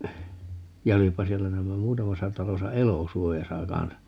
ja olipa siellä näemmä muutamassa talossa elosuojassa kanssa niin